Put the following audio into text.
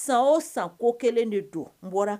Sa o san ko kelen de don n bɔra